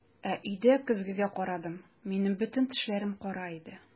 Ә өйдә көзгегә карадым - минем бөтен тешләрем кара иде!